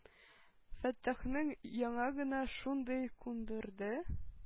Фәттахның яңагына шундый кундырды,